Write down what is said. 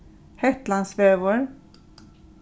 hetlandsvegur